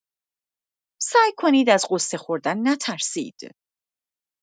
سعی کنید از غصه‌خوردن نترسید.